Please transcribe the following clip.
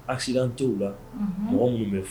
Asa tɛ la mɔgɔ mun bɛ fɔ